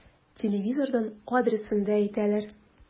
Телевизордан адресын да әйттеләр.